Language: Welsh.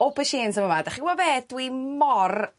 aubergines yn fa' 'ma 'dach chi wbo be' dwi mor